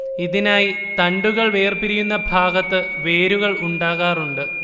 ഇതിനായി തണ്ടുകൾ വേർപിരിയുന്ന ഭാഗത്ത് വേരുകൾ ഉണ്ടാകാറുണ്ട്